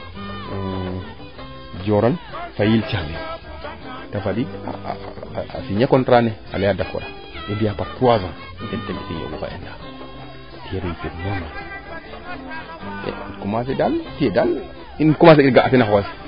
Diorale te fadiid a signer contrat ne aleye a d' accord a i mbiya par trois ans fo ENDA i commencer daal tiye daal im commencer ga'a teena xoxes